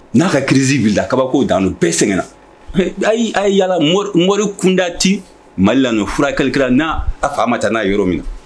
N'a ka crise wilila kabako dan do, bɛɛ sɛgɛnna. Ayi, a ye yala mori mori kunda tɛ Mali la nɔ, furakɛli kɛla n'a a fa ma taa n'a ye yɔrɔ min.